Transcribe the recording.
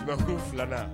Bɛkuru filananna